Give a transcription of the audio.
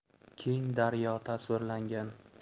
keng daryo tasvirlangan